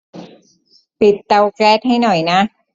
ปิดเตาแก๊สให้หน่อยนะ